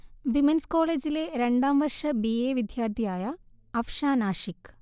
women's കോളേജിലെ രണ്ടാം വർഷ ബി എ വിദ്യാർഥിയായ അഫ്ഷാൻ ആഷിഖ്